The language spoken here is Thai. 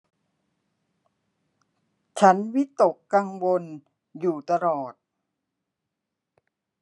ฉันวิตกกังวลอยู่ตลอด